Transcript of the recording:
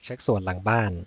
เช็คสวนหลังบ้าน